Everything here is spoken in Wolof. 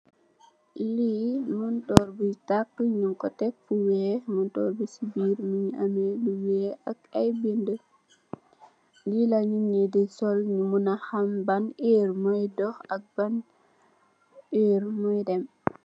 Li montor buy take njung ko tek fou wex montor bi ci beer omugi ame lu wex ak ay binda li la nit Yi di take ndax njou mana xam ban waxto moye dem